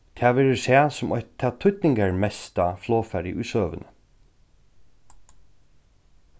tað verður sæð sum eitt tað týdningarmesta flogfarið í søguni